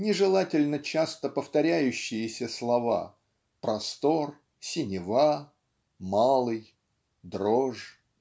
нежелательно часто повторяющиеся слова (простор синева малый дрожь)